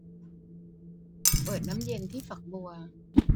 เปิดน้ำเย็นที่ฝักบัว